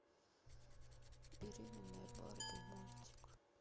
беременная барби мультик